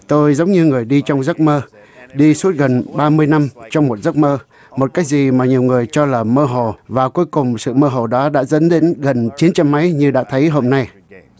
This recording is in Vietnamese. tôi giống như người đi trong giấc mơ đi suốt gần ba mươi năm trong một giấc mơ một cái gì mà nhiều người cho là mơ hồ và cuối cùng sự mơ hồ đó đã dẫn đến gần chín trăm mấy như đã thấy hôm nay